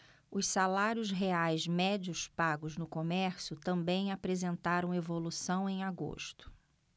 os salários reais médios pagos no comércio também apresentaram evolução em agosto